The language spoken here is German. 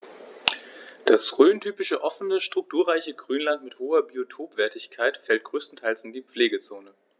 Das rhöntypische offene, strukturreiche Grünland mit hoher Biotopwertigkeit fällt größtenteils in die Pflegezone.